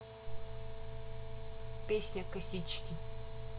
песня косички